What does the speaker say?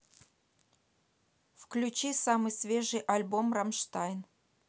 включи самый свежий альбом рамштайн